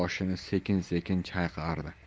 boshini sekin sekin chayqardi